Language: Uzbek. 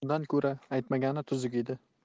bundan ko'ra aytmagani tuzuk edi